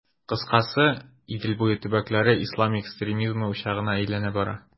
Кыскасы, Идел буе төбәкләре ислам экстремизмы учагына әйләнә бара.